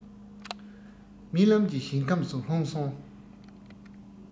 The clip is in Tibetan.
རྨི ལམ གྱི ཞིང ཁམས སུ ལྷུང སོང